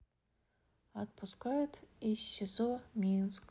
отпускают из сизо минск